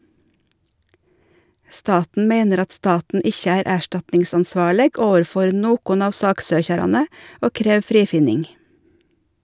Staten meiner at staten ikkje er erstatningsansvarleg overfor nokon av saksøkjarane og krev frifinning.